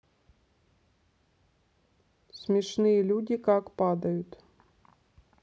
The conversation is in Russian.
смешные люди как падают